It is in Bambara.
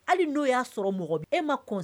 Hali n'o y'a sɔrɔ mɔgɔ, e ma kɔn